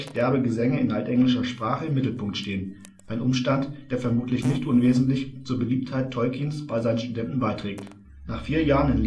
derbe Gesänge in altenglischer Sprache im Mittelpunkt stehen, ein Umstand, der vermutlich nicht unwesentlich zur Beliebtheit Tolkiens bei seinen Studenten beiträgt. Nach vier Jahren